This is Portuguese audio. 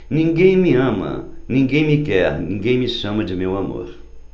ninguém me ama ninguém me quer ninguém me chama de meu amor